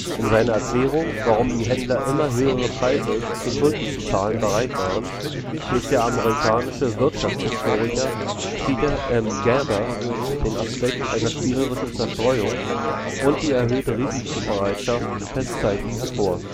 In seiner Erklärung, warum die Händler immer höhere Preise für Tulpen zu zahlen bereit waren, hebt der amerikanische Wirtschaftshistoriker Peter M. Garber den Aspekt der spielerischen Zerstreuung und die erhöhte Risikobereitschaft in Pestzeiten hervor